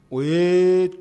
O yee